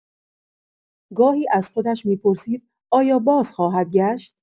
گاهی از خودش می‌پرسید آیا باز خواهد گشت؟